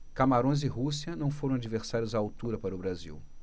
camarões e rússia não foram adversários à altura para o brasil